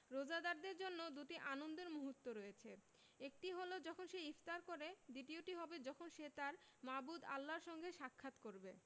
রোজাদারের জন্য দুটি আনন্দের মুহূর্ত রয়েছে একটি হলো যখন সে ইফতার করে দ্বিতীয়টি হবে যখন সে তাঁর মাবুদ আল্লাহর সঙ্গে সাক্ষাৎ করবে